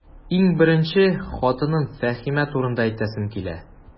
Иң беренче, хатыным Фәһимә турында әйтәсем килә.